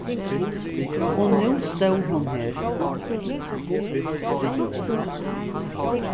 og nú stóð hon her